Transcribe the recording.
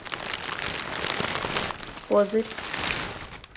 козырь